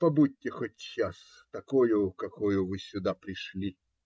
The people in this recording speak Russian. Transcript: Побудьте хоть час такою, как вы сюда пришли.